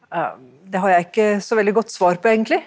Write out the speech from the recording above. det har jeg ikke så veldig godt svar på egentlig.